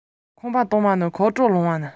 ཟིན མེད པའི བྱིས པ འདི འི ཁ ནས ཐོན ཏེ